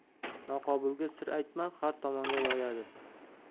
noqobilga sir aytma har tomonga yoyadi